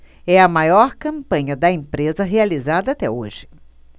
é a maior campanha da empresa realizada até hoje